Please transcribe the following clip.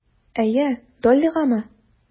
Әйе, Доллигамы?